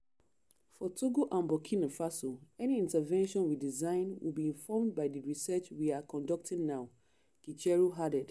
“For Togo and Burkina Faso, any intervention we design will be informed by the research we are conducting now,” Gicheru added.